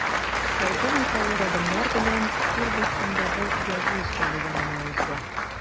Полковник авыр адымнар белән түр башындагы язу өстәле янына узды.